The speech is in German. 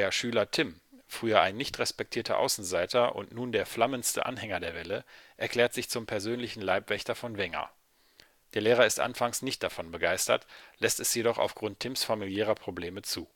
Schüler Tim, früher ein nicht respektierter Außenseiter und nun der flammendste Anhänger der „ Welle “, erklärt sich zum persönlichen Leibwächter von Wenger. Der Lehrer ist anfangs nicht davon begeistert, lässt es jedoch aufgrund Tims familiärer Probleme zu